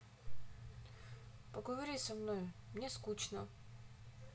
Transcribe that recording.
поговори со мной мне скучно